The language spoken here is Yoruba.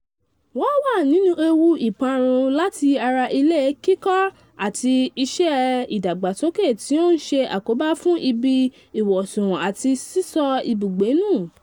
Wọ́n wà nínú ewu ìparun láti ara ilé kíkọ́ àti iṣẹ́ ìdàgbàsókè tí ó ń ṣe àkóbá fún ibi ìwọ̀sùn àti sísọ ibùgbé nú.